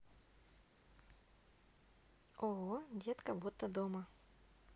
ооо детка будто дома